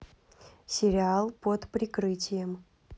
сериал под прикрытием